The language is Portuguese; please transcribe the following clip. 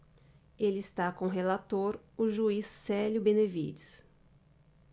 ele está com o relator o juiz célio benevides